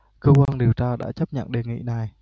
cơ quan điều tra đã chấp nhận đề nghị này